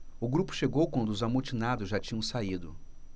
o grupo chegou quando os amotinados já tinham saído